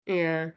Ie.